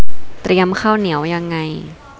เตรียมข้าวเหนียวยังไง